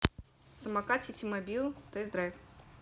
самокат ситимобил тест драйв